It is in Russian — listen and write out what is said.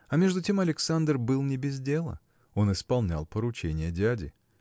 А между тем Александр был не без дела; он исполнял поручение дяди.